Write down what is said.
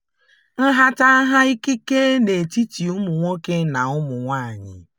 Nhatanha ikike n’etiti ụmụ nwoke na ụmụ nwaanyị